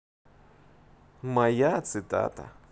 моя цитата